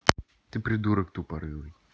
ты придурок тупорылый